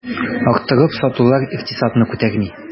Арттырып сатулар икътисадны күтәрми.